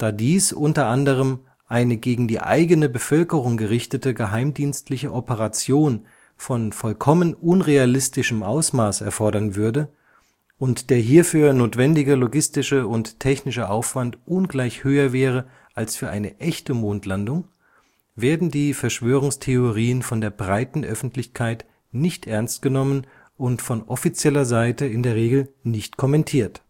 dies unter anderem eine gegen die eigene Bevölkerung gerichtete geheimdienstliche Operation von vollkommen unrealistischem Ausmaß erfordern würde und der hierfür notwendige logistische und technische Aufwand ungleich höher wäre als für eine echte Mondlandung, werden die Verschwörungstheorien von der breiten Öffentlichkeit nicht ernst genommen und von offizieller Seite in der Regel nicht kommentiert